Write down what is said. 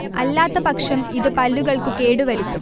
അല്ലാത്ത പക്ഷം ഇത് പല്ലുകൾക്കു കേടു വരുത്തും